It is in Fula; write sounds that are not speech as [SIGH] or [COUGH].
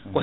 [HESITATION] [HESITATION]